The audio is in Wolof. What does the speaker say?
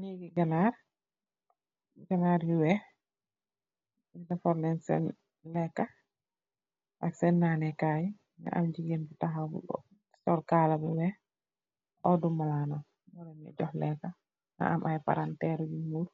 Negi ganar, ganar bu wekh dafar len sen lekah ak sen nanee kai am jigeen bu takhaw sul kala bi wekh uduh malanam di len juh lekah ak palanter bu nyul